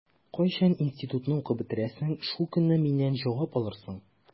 Кайчан институтны укып бетерерсең, шул көнне миннән җавап алырсың.